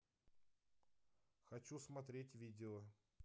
хочу смотреть видео